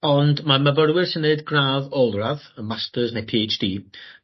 Ond ma' myfyrwyr sy'n neud gradd olradd y masters neu Pee Heitch Dee